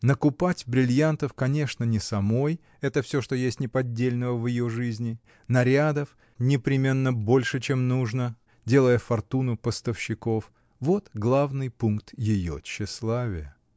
Накупать бриллиянтов, конечно, не самой (это всё, что есть неподдельного в ее жизни), нарядов, непременно больше, чем нужно, делая фортуну поставщиков, — вот главный пункт ее тщеславия.